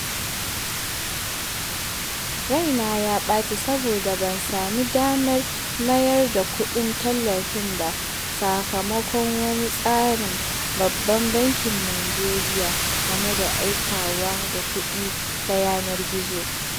Raina ya ɓaci saboda ban sami damar mayar da kuɗin tallafin ba sakamakon wani tsarin Babban Bankin Nijeriya game da aikawa da kuɗi ta yanar gizo.